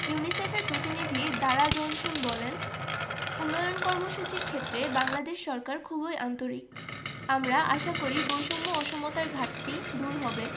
ইউনিসেফের প্রতিনিধি Dara Jonathan বলেন উন্নয়ন কর্মসূচির ক্ষেত্রে বাংলাদেশ সরকার খুবই আন্তরিক আমরা আশা করি বৈষম্য অসমতার ঘাটতি দূর হবে